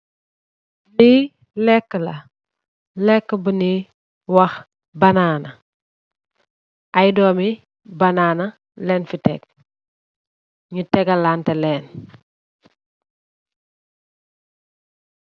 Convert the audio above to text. Lee leka la leka bune wah banana aye dome banana lenfe tek nu tegalante len.